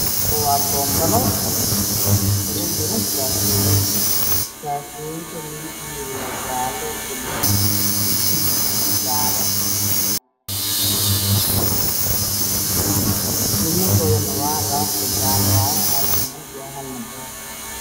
Waa boon balo uugu jiro saakooyin saakooyinka midab koodu waa jaale baluug gaduud jaale suumankoodu waa laba xabo jaalo waaye halna baluug waaye halna beer